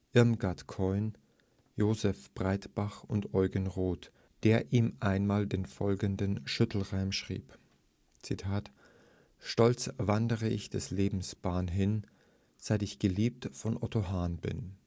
Irmgard Keun, Joseph Breitbach und Eugen Roth, der ihm einmal den folgenden Schüttelreim schrieb: „ Stolz wandre ich des Lebens Bahn hin – seit ich geliebt von Otto Hahn bin